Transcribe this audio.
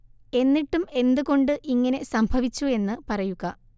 എന്നിട്ടും എന്ത് കൊണ്ട് ഇങ്ങനെ സംഭവിച്ചു എന്ന് പറയുക